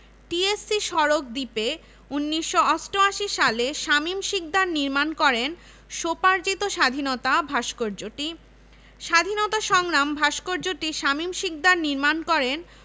২৮ জন কর্মচারীসহ ১৫০ জন শহীদের নাম লিপিবদ্ধ হয়েছে মহান স্বাধীনতা ও মুক্তিযুদ্ধের স্মরণে ডাকসু কলাভবনের সামনে